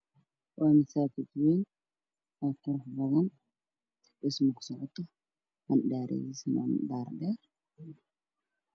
Waa masaajid dabaq dhismo ayaa ku socoto midabkiisa wacdaan